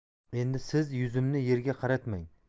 endi siz yuzimni yerga qaratmang